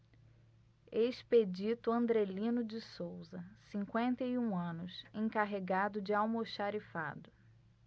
expedito andrelino de souza cinquenta e um anos encarregado de almoxarifado